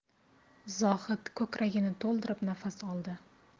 zohid ko'kragini to'ldirib nafas oldi